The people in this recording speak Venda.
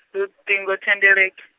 luṱingo thendele-.